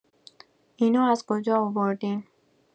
اینو از کجا آوردین